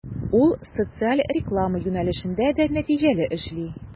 Ул социаль реклама юнәлешендә дә нәтиҗәле эшли.